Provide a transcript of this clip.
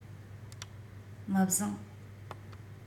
མི བཟང